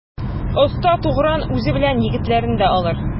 Оста Тугран үзе белән егетләрен дә алыр.